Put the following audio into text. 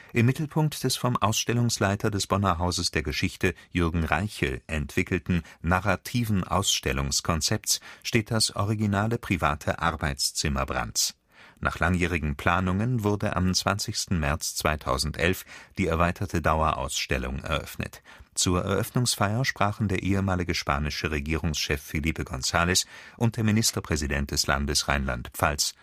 Mittelpunkt des vom Ausstellungsleiter des Bonner Hauses der Geschichte, Jürgen Reiche, entwickelten „ narrativen Ausstellungskonzepts “steht das originale private Arbeitszimmer Brandts. Nach langjährigen Planungen wurde am 20. März 2011 die erweiterte Dauerausstellung eröffnet. Zur Eröffnungsfeier sprachen der ehemalige spanischen Regierungschef Felipe González und der Ministerpräsident des Landes Rheinland-Pfalz